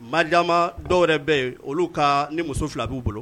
Maja dɔw yɛrɛ bɛ yen olu ka ni muso fila b'u bolo